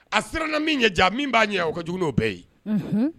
A siranna min ɲɛ ja min b'a ɲɛ o ka jugu n'o bɛɛ ye unhun